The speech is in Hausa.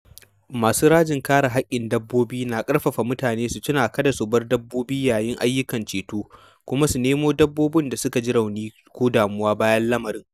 Masu rajin kare haƙƙin dabbobi na ƙarfafa mutane su tuna kada su bar dabbobi yayin ayyukan ceto, kuma su nemo dabbobin da suka ji rauni ko damuwa bayan lamarin.